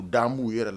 U damu'u yɛrɛ la